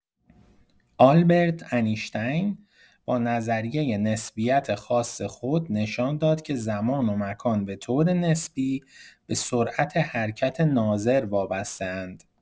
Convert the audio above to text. آلبرت انیشتین با نظریه نسبیت خاص خود نشان داد که زمان و مکان به‌طور نسبی به‌سرعت حرکت ناظر وابسته‌اند.